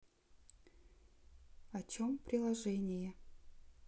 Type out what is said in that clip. о чем приложение